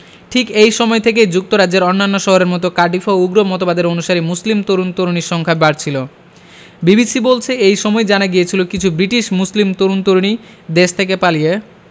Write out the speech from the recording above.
ঠিক এই সময় থেকেই যুক্তরাজ্যের অন্যান্য শহরের মতো কার্ডিফেও উগ্র মতবাদের অনুসারী মুসলিম তরুণ তরুণীর সংখ্যা বাড়ছিল বিবিসি বলছে এই সময়ই জানা গিয়েছিল কিছু ব্রিটিশ মুসলিম তরুণ তরুণী দেশ থেকে পালিয়ে